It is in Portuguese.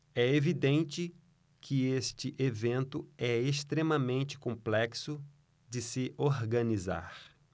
é evidente que este evento é extremamente complexo de se organizar